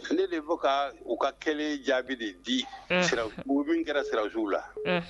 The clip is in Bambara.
Tile de fɔ ka u ka kɛ jaabi de di u min kɛra sirasiww la